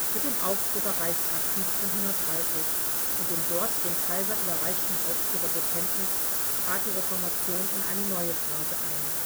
Mit dem Augsburger Reichstag 1530 und dem dort dem Kaiser überreichten Augsburger Bekenntnis trat die Reformation in eine neue Phase ein